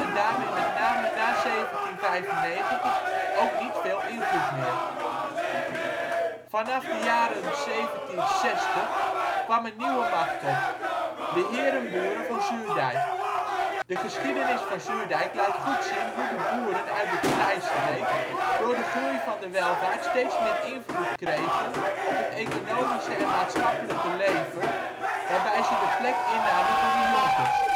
daarmee met name na 1795 ook niet veel invloed meer. Vanaf de jaren 1760 kwam een nieuwe macht op: De herenboeren van Zuurdijk. De geschiedenis van Zuurdijk laat goed zien hoe de boeren uit de kleistreek door de groei van de welvaart steeds meer invloed kregen op het economische en maatschappelijke leven, waarbij ze de plek innamen van de jonkers